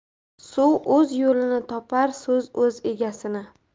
suv o'z yo'lini topar so'z o'z egasini